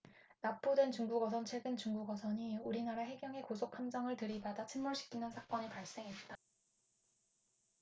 나포된 중국어선 최근 중국 어선이 우리나라 해경의 고속함정을 들이받아 침몰시키는 사건이 발생했다